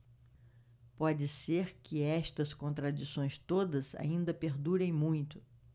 pode ser que estas contradições todas ainda perdurem muito